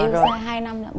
yêu xa hai năm